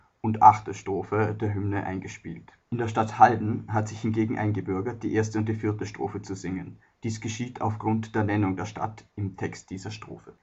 und achte) Strophe der Hymne eingespielt. In der Stadt Halden hat sich hingegen eingebürgert, die erste und die vierte Strophe zu singen, dies geschieht aufgrund der Nennung der Stadt im Text dieser Strophe